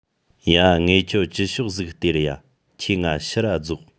ཡ ངས ཁྱོའ བཅུ ཤོག ཟིག སྟེར ཡ ཁྱོས ངའ ཕྱིར ར རྫོགས